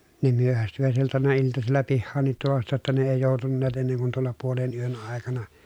ne myöhästyivät silloin aina iltasilla pihaankin tulosta jotta ne ei joutuneet ennen kuin tuolla puolen yön aikana